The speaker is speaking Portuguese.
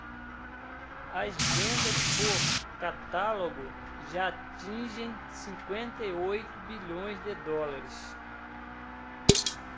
as vendas por catálogo já atingem cinquenta e oito bilhões de dólares